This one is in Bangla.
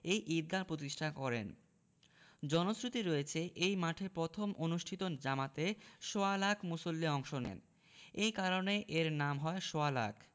এই ঈদগাহ প্রতিষ্ঠা করেন জনশ্রুতি রয়েছে এই মাঠে প্রথম অনুষ্ঠিত জামাতে সোয়া লাখ মুসল্লি অংশ নেন এ কারণে এর নাম হয় সোয়া লাখ